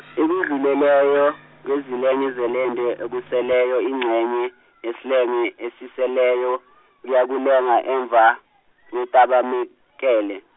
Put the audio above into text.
ikudluleleyo kwezilenge zetende okuseleyo ingxenye , yesilenge esiseleyo kuyakulenga emva kwetabemakele.